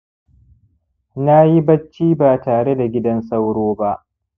nayi bacci ba tareda gidan sauro ba